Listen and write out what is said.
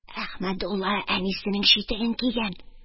Әхмәдулла әнисенең читеген кигән...